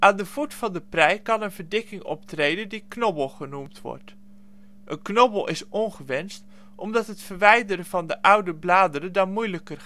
de voet van de prei kan een verdikking optreden die knobbel genoemd wordt. Een knobbel is ongewenst omdat het verwijderen van de oude bladeren dan moeilijker